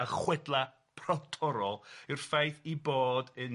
a chwedlau protorol yw'r ffaith ei bod yn